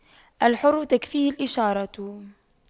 الحر تكفيه الإشارة